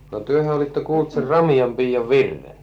no tehän olitte kuullut sen Ramian piian virren